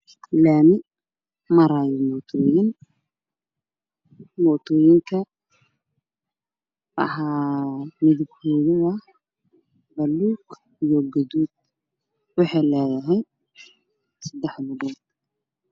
Waa laami marayaan mootooyin bajaaj kalarkooda yihiin gadood daan dhulku waa midow